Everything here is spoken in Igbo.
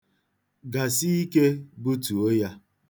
Gasi ike butuo ya.